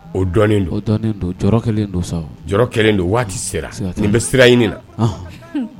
O kelen don waati sera bɛ sira ɲini na